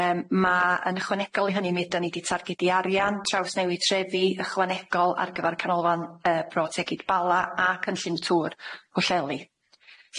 Yym ma' yn ychwanegol i hynny mi ydan ni 'di targedu arian trawsnewid trefi ychwanegol ar gyfar canolfan yy Bro tegid Bala a cynllun Tŵr Pwllheli.